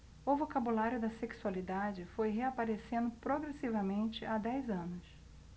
o vocabulário da sexualidade foi reaparecendo progressivamente há dez anos